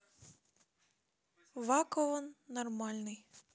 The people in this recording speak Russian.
вакован нормальный